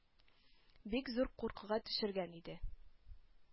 Бик зур куркуга төшергән иде.